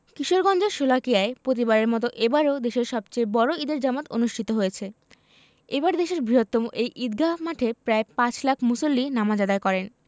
কিশোরগঞ্জের শোলাকিয়ায় প্রতিবারের মতো এবারও দেশের সবচেয়ে বড় ঈদের জামাত অনুষ্ঠিত হয়েছে এবার দেশের বৃহত্তম এই ঈদগাহ মাঠে প্রায় পাঁচ লাখ মুসল্লি নামাজ আদায় করেন